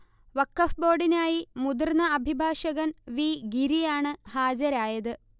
വഖഫ് ബോർഡിനായി മുതിർന്ന അഭിഭാഷകൻ വി. ഗിരിയാണ് ഹാജരായത്